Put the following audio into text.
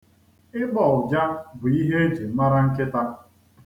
Ịgbọ ụja bụ ihe e ji mara nkịta.